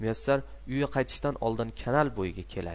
muyassar uyga qaytishdan oldin kanal bo'yiga keladi